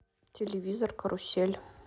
телевизор карусель